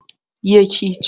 یک هیچ